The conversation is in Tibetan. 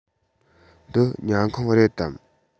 འདི ཉལ ཁང རེད དམ